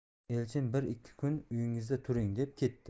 elchin bir ikki kun uyingizda turing deb ketdi